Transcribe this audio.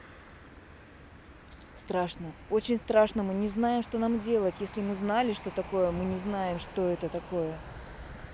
страшно очень страшно мы не знаем что нам делать если мы знали что такое мы не знаем что это такое